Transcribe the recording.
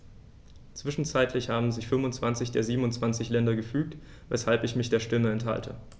Zwischenzeitlich haben sich 25 der 27 Länder gefügt, weshalb ich mich der Stimme enthalte.